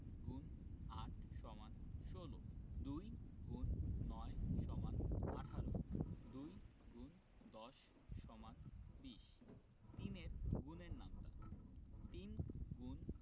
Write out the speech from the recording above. X ৮ = ১৬ ২ X ৯ = ১৮ ২ ×১০ = ২০ ৩ এর গুণের নামতা ৩ X